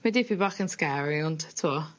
Mae dipyn bach yn scary ond t'mo